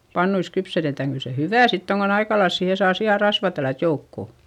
pannuissa kypsetetään kyllä se hyvää sitten on kun aika lailla siihen saa sian rasvaa tällätä joukkoon